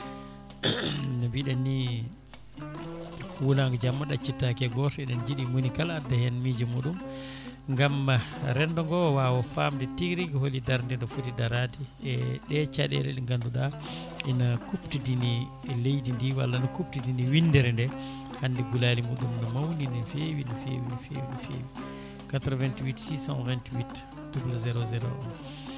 no mbiɗen ni ko wuulango jamma ɗaccittake e goto eɗen jiiɗi monikala adda hen mijjo muɗum gaam rendo ngo wawa famde tigui rogui hooli darde de footi darade e ɗe caɗele ɗe ganduɗa ina kuptodini e leydi ndi walla ne kuptodini windere nde hande gulali muɗum ne mawni no fewi no fewi no fewi no fewi 88 628 00 01